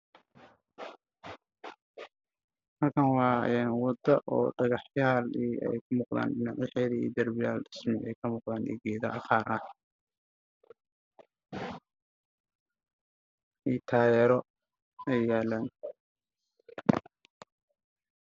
Waa meel banaan dhulka waacciid geesaha waxaa ugu yaalo guryo waxaa ii muuqdo geed tallaal ah oo cagaar ahcagaar ah